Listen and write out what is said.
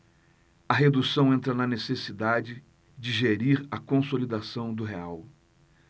a redução entra na necessidade de gerir a consolidação do real